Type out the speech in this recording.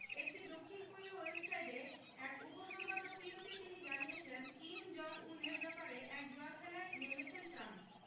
একটি দক্ষিণ কোরীয় ওয়েবসাইটে এক উপসম্পাদকীয়তে তিনি জানিয়েছেন কিম জং উনের ব্যাপারে এক জুয়া খেলায় নেমেছেন ট্রাম্প